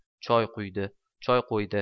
choy qo'ydi